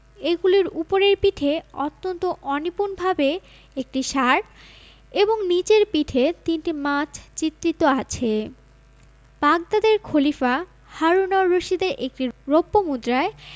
এগুলির উপরের পিঠে অত্যন্ত অনিপুণভাবে একটি ষাঁড় এবং নিচের পিঠে তিনটি মাছ চিত্রিত আছে বাগদাদের খলিফা হারুন অর রশিদের একটি রৌপ্য মুদ্রায়